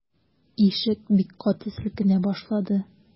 Ишек бик каты селкенә башлады.